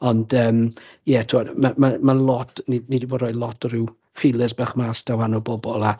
ond yym ie tibod ma' ma' ma' 'na lot... ni ni 'di bod roi lot o ryw feelers bach mas 'da wahanol bobl a...